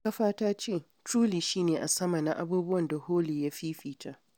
Wata kafa ta ce: “Truly shi ne a sama na abubuwan da Holly ya fifita.